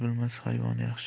bilmas hayvon yaxshi